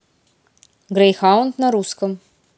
грейхаунд на русском